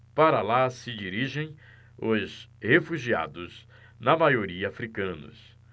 para lá se dirigem os refugiados na maioria hútus